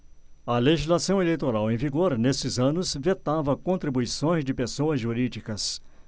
a legislação eleitoral em vigor nesses anos vetava contribuições de pessoas jurídicas